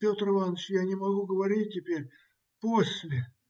Петр Иваныч, я не могу говорить теперь. После.